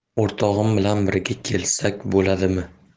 o'rtog'im bilan birga kelsak bo'ladimi